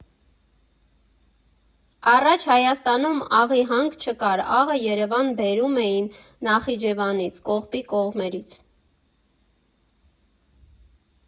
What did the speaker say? Առաջ Հայաստանում աղի հանք չկար, աղը Երևան բերում էին Նախիջևանից, Կողբի կողմերից։